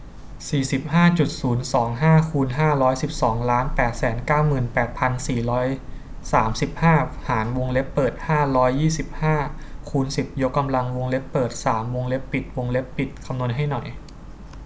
สี่สิบห้าจุดศูนย์สองห้าคูณห้าร้อยสิบสองล้านแปดแสนเก้าหมื่นแปดพันสี่ร้อยสามสิบห้าหารวงเล็บเปิดห้าร้อยยี่สิบห้าคูณสิบยกกำลังวงเล็บเปิดสามวงเล็บปิดวงเล็บปิดคำนวณให้หน่อย